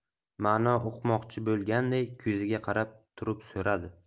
ma'no uqmoqchi bolganday ko'ziga qarab turib so'radi